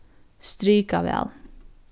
strika val